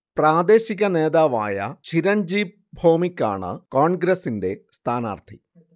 പ്രാദേശിക നേതാവായ ചിരൺജിബ് ഭോവ്മിക് ആണ് കോൺഗ്രസിന്റെ സ്ഥാനാർത്ഥി